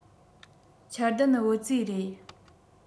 འཆར ལྡན བུ བཙའི རེད